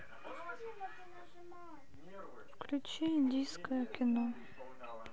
включи индийское кино